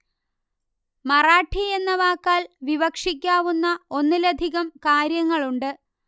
മറാഠി എന്ന വാക്കാൽ വിവക്ഷിക്കാവുന്ന ഒന്നിലധികം കാര്യങ്ങളുണ്ട്